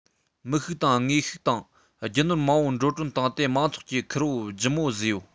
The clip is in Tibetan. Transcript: མི ཤུགས དང དངོས ཤུགས དང རྒྱུ ནོར མང པོ འགྲོ གྲོན བཏང སྟེ མང ཚོགས ཀྱི ཁུར པོ ལྗིད མོ བཟོས ཡོད